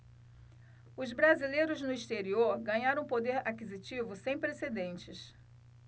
os brasileiros no exterior ganharam um poder aquisitivo sem precedentes